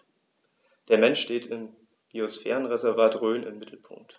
Der Mensch steht im Biosphärenreservat Rhön im Mittelpunkt.